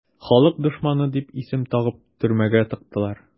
"халык дошманы" дип исем тагып төрмәгә тыктылар.